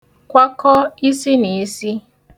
kwakọ isiniisi